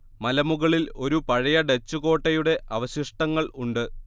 മലമുകളിൽ ഒരു പഴയ ഡച്ച് കോട്ടയുടെ അവശിഷ്ടങ്ങൾ ഉണ്ട്